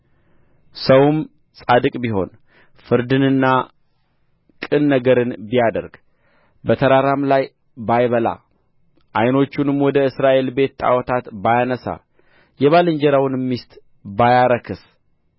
ሰውም ጻድቅ ቢሆን ፍርድንና ቅን ነገርን ቢያደርግ በተራራም ላይ ባይበላ ዓይኞቹንም ወደ እስራኤል ቤት ጣዖታት ባያነሣ የባልንጀራውንም ሚስት ባያረክስ